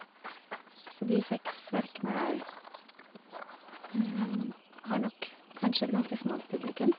Så de seks verkene er har nok kanskje et ganske smalt publikum.